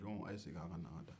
jɔnw aw ye segin an ka taa